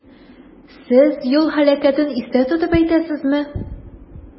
Сез юл һәлакәтен истә тотып әйтәсезме?